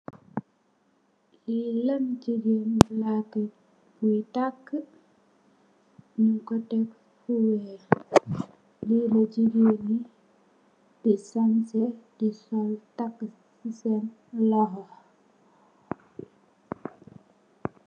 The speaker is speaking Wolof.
Lii lahm gigain la giss gui taku, njung kor tek fu wekh, li la gigain yii di sanseh, di sol taku chi sehn lokhor.